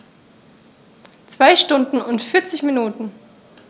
2 Stunden und 40 Minuten